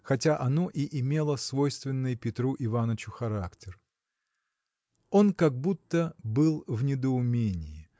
хотя оно и имело свойственный Петру Иванычу характер. Он как будто был в недоумении.